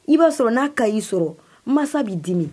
I b'a sɔrɔ n'a cas y'i sɔrɔ masa bi dimi